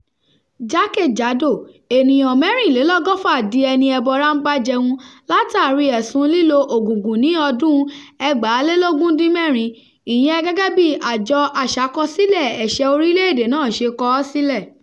Jákèjádò, ènìyàn 134 di ẹni ẹbọra-ń-bá-jẹun látàrí èsùn-un lílo “ògùngùn” ní ọdún-un 2016, ìyẹn gẹ̀gẹ̀ bí Àjọ Aṣàkọsílẹ̀ Ẹ̀ṣẹ̀ Orílẹ̀-èdè náà ṣe kọ́ ọ sílẹ̀.